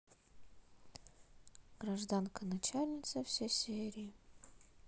гражданка начальница все серии